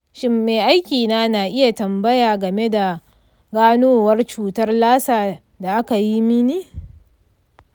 shin mai aikina na iya tambaya game da ganowar cutar lassa da aka yi mini?